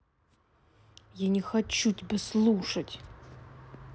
я не хочу тебя слушать